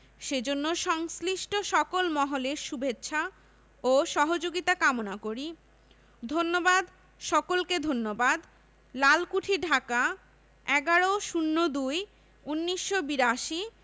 সেজন্য সংশ্লিষ্ট সকল মহলের শুভেচ্ছা ও সহযোগিতা কামনা করি ধন্যবাদ সকলকে ধন্যবাদ লালকুঠি ঢাকা ১১/০২/১৯৮২